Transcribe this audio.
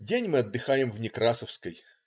" День мы отдыхаем в Некрасовской.